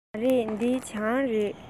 མ རེད འདི གྱང རེད